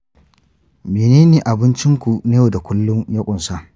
menene abincin ku na yau da kullun ya ƙunsa?